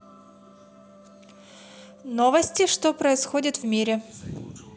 новости что происходит в мире